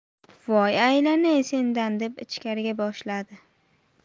voy aylanay sendan deb ichkariga boshladi